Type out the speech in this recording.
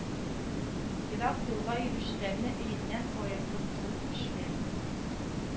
Ерак юлга йөрүчеләрне өеннән аерылып тору, күчмә